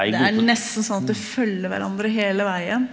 det er nesten sånn at det følger hverandre hele veien.